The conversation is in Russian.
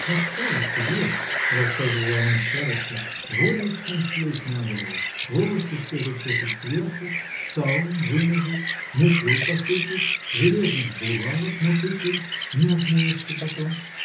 Поставят тебе, рассказывала она в старости, войлочный шлык на голову, волосы все зачешут кверху, салом вымажут, мукой посыплют, железных булавок натыкают -- не отмоешься потом